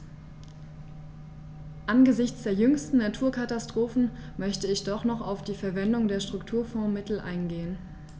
Angesichts der jüngsten Naturkatastrophen möchte ich doch noch auf die Verwendung der Strukturfondsmittel eingehen.